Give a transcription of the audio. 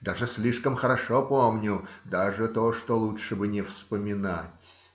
Даже слишком хорошо помню, даже то, что лучше бы не вспоминать.